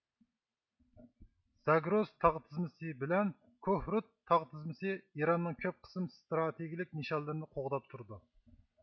زاگرۇس تاغ تىزمىسى بىلەن كۇھرۇد تاغ تىزمىسى ئىراننىڭ كۆپ قىسىم ستراتېگىيىلىك نىشانلىرىنى قوغداپ تۇرىدۇ